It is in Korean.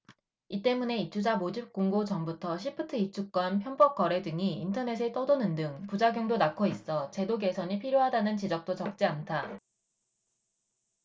이 때문에 입주자 모집공고 전부터 시프트 입주권 편법 거래 등이 인터넷에 떠도는 등 부작용도 낳고 있어 제도 개선이 필요하다는 지적도 적지 않다